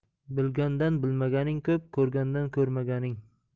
bilgandan bilmaganing ko'p ko'rgandan ko'rmaganing